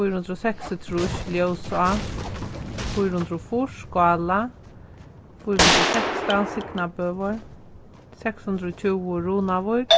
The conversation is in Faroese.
fýra hundrað og seksogtrýss ljósá fýra hundrað og fýrs skála fýra hundrað og sekstan signabøur seks hundrað og tjúgu runavík